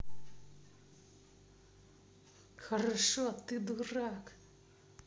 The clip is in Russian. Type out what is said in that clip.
хорошо ты дурак